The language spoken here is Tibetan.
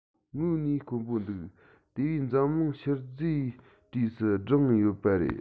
དངོས གནས དཀོན པོ འདུག དེ བས འཛམ གླིང ཤུལ རྫས གྲས སུ བསྒྲེངས ཡོད པ རེད